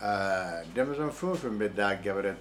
Aa denmisɛnw fɛn o fɛn bɛ da gaɛrɛ